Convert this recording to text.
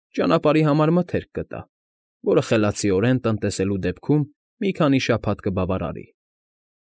Ճանապարհի համար մթերք կտա, որը խելացիորեն տնտեսելու դեպքում մի քանի շաբաթ կբավարարի։